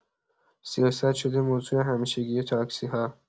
سیاست شده موضوع همیشگی تاکسی‌ها.